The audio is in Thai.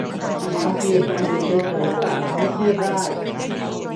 บางทีการอยู่เฉยเฉยก็อาจทำให้เครียดได้